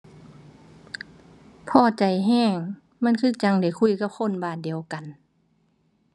พอใจแรง มันคือจั่งได้คุยกับคนบ้านเดียวกัน